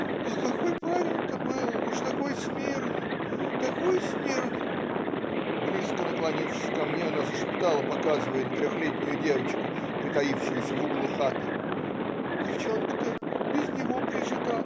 - А какой парень-то был, уж такой смирный, такой смирный,- близко наклонившись ко мне, она зашептала, показывая на трехлетнюю девочку, притаившуюся в углу хаты: Девчонка-то без него прижита.